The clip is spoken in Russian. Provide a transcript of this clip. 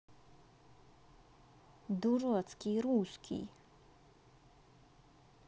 дурацкий русский